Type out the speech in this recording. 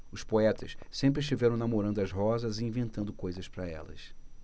os poetas sempre estiveram namorando as rosas e inventando coisas para elas